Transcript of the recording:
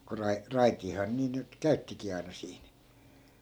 kun - raitiahan niin nyt käyttikin aina siinä